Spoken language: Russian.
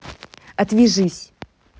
отвяжись